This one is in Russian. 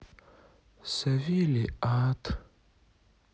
савелий ат